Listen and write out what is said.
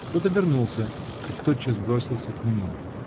Тот обернулся и тотчас бросился к нему.